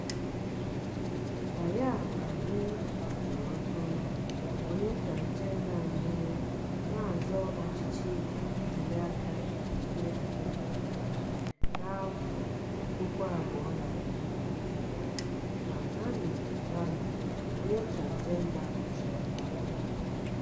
Nayaab Ali (guzoro ọtọ), onye transịjenda mbụ na-azọ ọchịchị na ntụliaka izugbe nke Pakistan na 2018, na Neeli Rana, onye transịjenda ọzọ a ma ama.